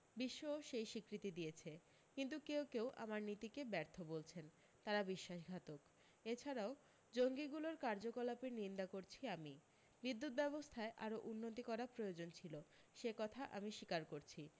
বিশ্বও সেই স্বীকৃতি দিয়েছে কিন্তু কেউ কেউ আমার নীতিকে ব্যর্থ বলছেন তাঁরা বিশ্বাসঘাতক এছাড়াও জঙ্গিগুলোর কার্যকলাপের নিন্দা করছি আমি বিদ্যুত ব্যবস্থায় আরও উন্নতি করা প্রয়োজন ছিল সে কথা আমি স্বীকার করছি